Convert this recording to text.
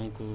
waaw